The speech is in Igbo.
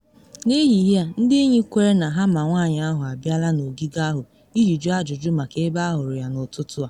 N’ehihie a ndị enyi kwere na ha ma nwanyị ahụ abịala n’ogige ahụ iji jụọ ajụjụ maka ebe ahụrụ ya n’ụtụtụ a.